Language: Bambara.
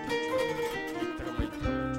San yo yo